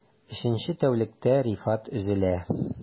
Өченче тәүлектә Рифат өзелә...